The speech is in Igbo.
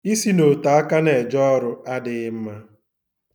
Isi n'otaaka na-eje ọrụ adịghị mma.